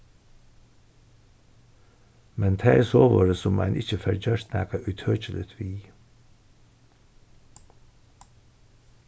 men tað er sovorðið sum ein ikki fær gjørt nakað ítøkiligt við